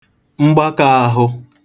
mgbakā āhụ̄